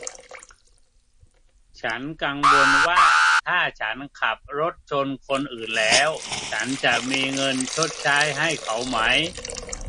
ฉันกังวลว่าถ้าฉันขับรถชนคนอื่นแล้วฉันจะมีเงินชดใช้ให้เขาไหม